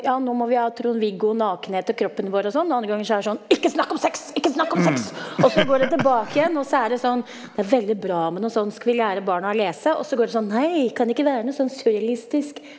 ja vi må ha Trond-Viggo nakenhet og kroppen vår og sånn, og andre ganger så er det sånn ikke snakk om sex, ikke snakk om sex, også går det tilbake igjen også er det sånn det er veldig bra med noe sånn, skal vi lære barna å lese, også går det sånn nei kan det ikke være noe sånn surrealistisk?